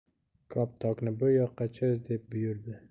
koptokni bu yoqqa cho'z deb buyurdi